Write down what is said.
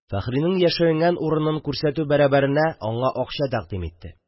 Фәхринең яшеренгән урынын күрсәтү бәрәбәренә аңа акча тәкъдим итте.